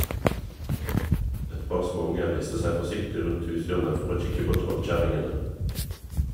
Et par småunger lister seg forsiktig rundt hushjørnet for å kikke på trollkjerringene ...